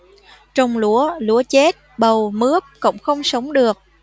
trồng lúa lúa chết bầu mướp cũng không sống được